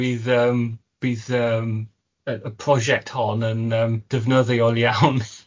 bydd yym bydd yym y y prosiect hon yn yym defnyddiol iawn